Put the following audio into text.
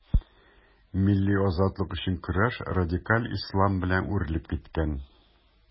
Милли азатлык өчен көрәш радикаль ислам белән үрелеп киткән.